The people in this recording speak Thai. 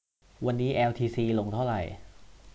วันนี้แอลทีซีลงเท่าไหร่